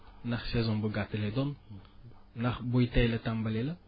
ndax saison bu gàtt lay doon ndax buy teel a tàmbali la